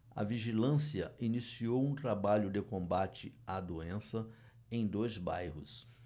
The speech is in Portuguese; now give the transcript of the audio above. a vigilância iniciou um trabalho de combate à doença em dois bairros